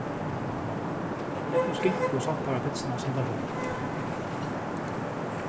legg nú skinku og soppar á pitsuna sum tær hóvar